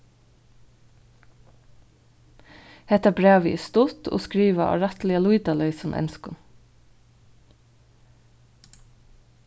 hetta brævið er stutt og skrivað á rættiliga lýtaleysum enskum